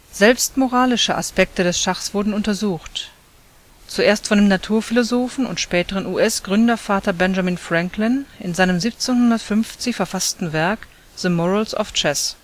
Selbst moralische Aspekte des Schachs wurden untersucht, zuerst von dem Naturphilosophen und späteren US-Gründervater Benjamin Franklin in seinem 1750 verfassten Werk The Morals of Chess